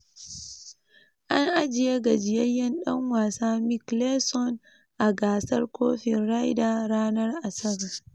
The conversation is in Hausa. An ajiye gajiyayyen dan wasa Mickelson a gasar Kofin Ryder ranar Asabar